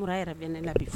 Yɛrɛ bɛ ne labɛn